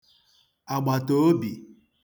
àgbàtàobì